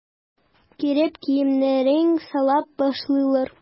Кереп киемнәрен сала башлыйлар.